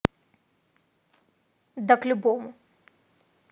да к любому